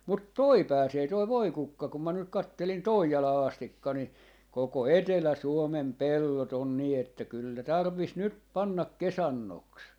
mutta tuo pääsee tuo voikukka kun minä nyt katselin Toijalaan asti niin koko Etelä-Suomen pellot on niin että kyllä ne tarvitsisi nyt panna kesannoksi